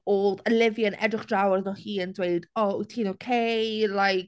Oedd Olivia yn edrych draw arno hi yn dweud, "O, wyt ti'n ok? Like"